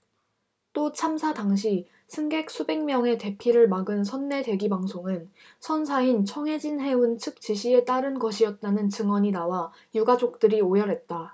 또 참사 당시 승객 수백 명의 대피를 막은 선내 대기방송은 선사인 청해진 해운 측 지시에 따른 것이었다는 증언이 나와 유가족들이 오열했다